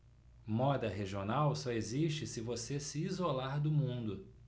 moda regional só existe se você se isolar do mundo